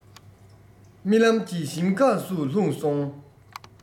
རྨི ལམ གྱི ཞིང ཁམས སུ ལྷུང སོང